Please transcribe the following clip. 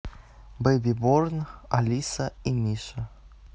baby born алиса и миша